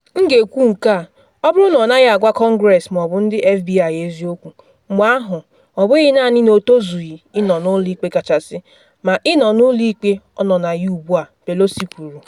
“M ga-ekwu nke a -- ọ bụrụ na ọ naghị agwa Kọngress ma ọ bụ ndị FBI eziokwu, mgbe ahụ ọ bụghị naanị na o tozughi ịnọ na Ụlọ Ikpe Kachasị, ma ị nọ n’ụlọ ikpe ọ nọ na ya ugbu a,” Pelosi kwuru.